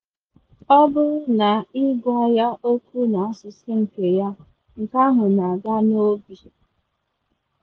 Ọ bụrụ na ịgwa ya okwu n’asụsụ nke ya, nke ahụ na aga n’obi.”